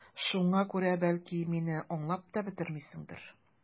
Шуңа күрә, бәлки, мине аңлап та бетермисеңдер...